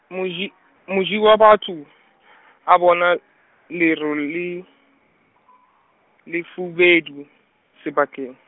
Moji, Moji wa batho , a bona, leru le , lefubedu, sebakeng.